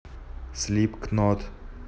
слип кнот